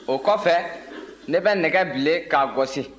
o kɔ fɛ ne bɛ nɛgɛ bilen k'a gosi